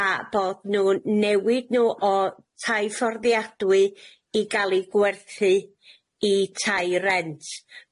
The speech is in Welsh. a bod nw'n newid nw o tai fforddiadwy i ga'l i gwerthu i tai rent.